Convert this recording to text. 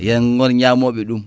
yen goon ñamoɓe ɗum